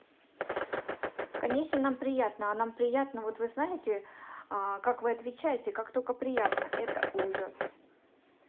конечно нам приятно а нам приятно вот вы знаете как вы отвечаете как только приятно это ужас